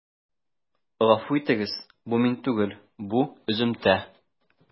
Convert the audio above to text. Гафу итегез, бу мин түгел, бу өземтә.